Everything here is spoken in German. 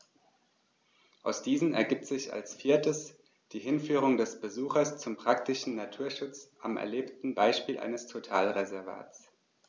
Aus diesen ergibt sich als viertes die Hinführung des Besuchers zum praktischen Naturschutz am erlebten Beispiel eines Totalreservats.